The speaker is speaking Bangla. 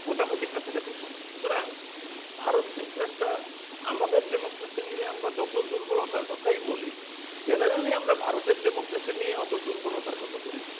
মোটামুটি কাছাকাছি সময়ে সুতরাং ভারত কিন্তু একটা আমাদের ডেমোক্রেসি নিয়ে আমরা যত দূর্বলতার কথা বলি জেনারেলি আমরা ভারতের ডেমোক্রেসি নিয়ে দূর্বলতার কথা বলি না়